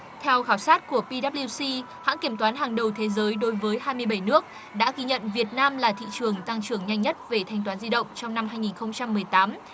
theo khảo sát của pi đáp lưu xi hãng kiểm toán hàng đầu thế giới đối với hai mươi bảy nước đã ghi nhận việt nam là thị trường tăng trưởng nhanh nhất về thanh toán di động trong năm hai nghìn không trăm mười tám